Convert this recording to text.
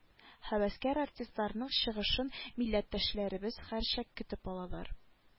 Һәвәскәр артистларның чыгышын милләттәшләребез һәрчак көтеп алалар